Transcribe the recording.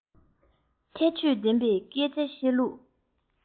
ཁྱད ཆོས ལྡན པའི སྐད ཆ བཤད ལུགས